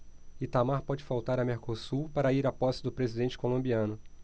itamar pode faltar a mercosul para ir à posse do presidente colombiano